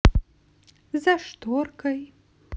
за шторкой